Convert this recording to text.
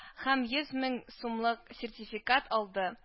Һәм йөз мең сумлык сертификат алды